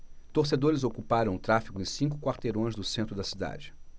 torcedores ocuparam o tráfego em cinco quarteirões do centro da cidade